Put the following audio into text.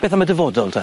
Beth am y dyfodol te?